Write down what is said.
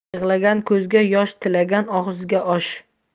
yig'lagan ko'zga yosh tilagan og'izga osh